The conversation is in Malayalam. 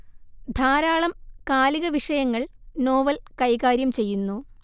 ധാരാളം കാലിക വിഷയങ്ങൾ നോവൽ കൈകാര്യം ചെയ്യുന്നു